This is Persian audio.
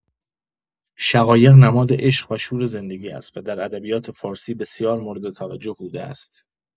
شقایق نماد عشق و شور زندگی است و در ادبیات فارسی بسیار مورد توجه بوده است.